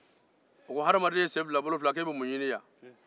o ko hadamaden sen fila bolo fila e bɛ mun nin yan